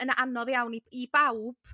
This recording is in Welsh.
yn anodd iawn i i bawb